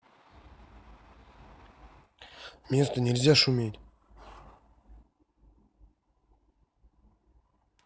место нельзя шуметь